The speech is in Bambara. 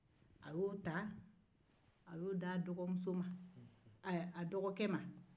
a y'o ta k'o di a dɔgɔke ma